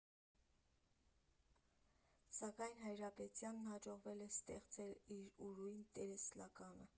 Սակայն Հայրապետյանին հաջողվել է ստեղծել իր ուրույն տեսլականը։